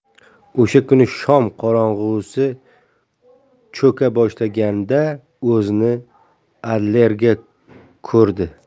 o'sha kuni shom qorong'isi cho'ka boshlaganda o'zini adlerda ko'rdi